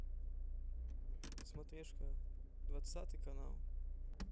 смотрешка двадцатый канал